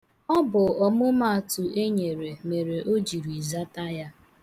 Ọ bụ ihe ọmụmaatụ enyere mere o jiri zata ya.